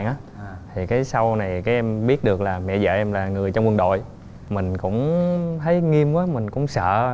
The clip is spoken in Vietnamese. á thì cái sau này cái em biết được là mẹ vợ em là người trong quân đội mình cũng thấy nghiêm quá mình cũng sợ